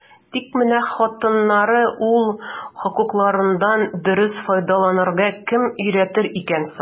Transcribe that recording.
Тик менә хатыннарны ул хокуклардан дөрес файдаланырга кем өйрәтер икән соң?